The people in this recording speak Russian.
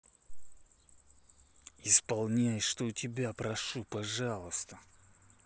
исполняй что у тебя прошу пожалуйста